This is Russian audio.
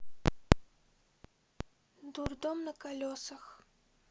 дурдом на колесах